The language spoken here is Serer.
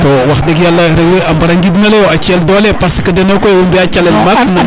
te wax deg yala rewe a mbara ngidmeloyo a ci el dole parce que deno koy owey mbiya calel maak no